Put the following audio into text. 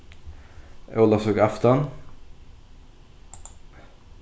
ólavsøkuaftan